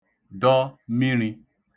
dọ miṙī